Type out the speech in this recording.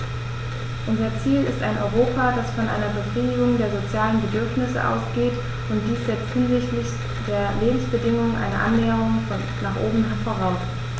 Unser Ziel ist ein Europa, das von einer Befriedigung der sozialen Bedürfnisse ausgeht, und dies setzt hinsichtlich der Lebensbedingungen eine Annäherung nach oben voraus.